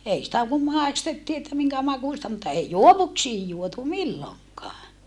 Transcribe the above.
ei sitä kun maistettiin että minkä makuista mutta ei juovuksiin juotu milloinkaan